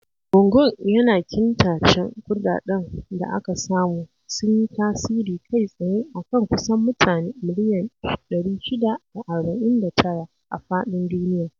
Gungun yana kintacen kuɗaɗen da aka samu sun yi tasiri kai tsaye a kan kusan mutane miliyan 649 a faɗin duniyar.